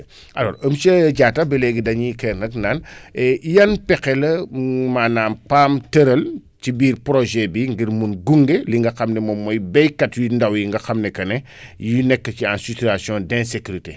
alors monsieur Diatta ba léegi dañuy kii rek naan yan pexe la maanaam PAM tëral ci biir projet bii ngir mun gunge li nga xam ne moom mooy béykat yu ndaw yi nga xam ne que ne yu nekk ci en situation d' insécurité